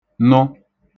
nụ